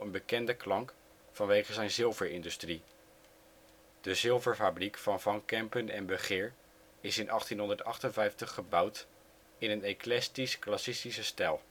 bekende klank vanwege zijn zilverindustrie. De Zilverfabriek van Van Kempen en Begeer is in 1858 gebouwd in een eclectisch-classicistische stijl